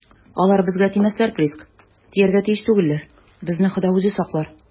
- алар безгә тимәсләр, приск, тияргә тиеш түгелләр, безне хода үзе саклар.